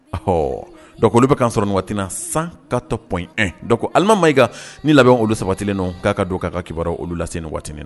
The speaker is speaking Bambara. Ɔ bɛ kan sɔrɔina san katɔ p ko alima ma ika ni labɛn olu sabatilen nɔn k'a ka don'a ka kibaruya olu lase waatiinin na